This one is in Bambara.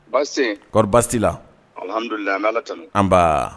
Baasiɔri lalilat